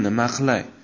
nima qilay